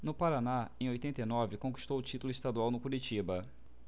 no paraná em oitenta e nove conquistou o título estadual no curitiba